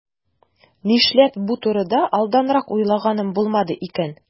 Нишләп бу турыда алданрак уйлаганым булмады икән?